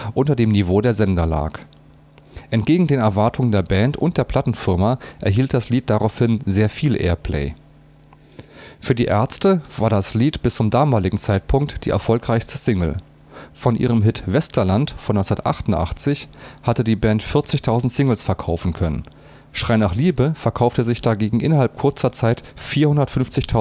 unter dem Niveau der Sender lag. Entgegen den Erwartungen der Band und der Plattenfirma erhielt das Lied daraufhin sehr viel Airplay. Für die Ärzte war das Lied bis zum damaligen Zeitpunkt die erfolgreichste Single. Von ihrem Hit „ Westerland “(1988) hatte die Band 40.000 Singles verkaufen können, „ Schrei nach Liebe “verkaufte sich dagegen innerhalb kurzer Zeit 450.000